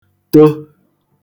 to